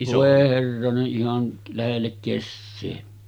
voi herranen ihan lähelle kesää